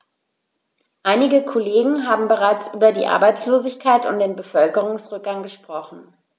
Einige Kollegen haben bereits über die Arbeitslosigkeit und den Bevölkerungsrückgang gesprochen.